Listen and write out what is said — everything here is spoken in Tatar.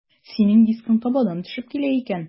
Синең дискың табадан төшеп килә икән.